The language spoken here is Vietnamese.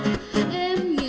em